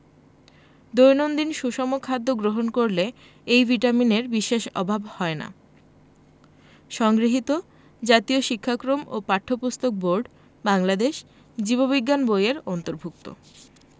দৈনন্দিন সুষম খাদ্য গ্রহণ করলে এই ভিটামিনের বিশেষ অভাব হয় না সংগৃহীত জাতীয় শিক্ষাক্রম ও পাঠ্যপুস্তক বোর্ড বাংলাদেশ জীব বিজ্ঞান বই এর অন্তর্ভুক্ত